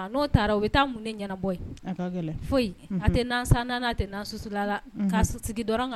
Ɔ n'o taara, o b taa mun de ɲɛnabɔ yen, foyi, a ka gɛlɛ, a tɛ nan san dɔ a tɛ nasusu , ka sigi dɔrɔnw.